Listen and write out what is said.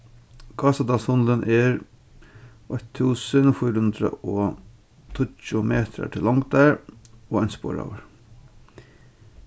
gásadalstunnilin er eitt túsund fýra hundrað og tíggju metrar til longdar og einsporaður